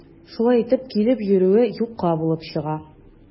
Шулай итеп, килеп йөрүе юкка булып чыга.